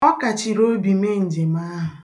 Ọ kachiri obi mee nje m ahụ.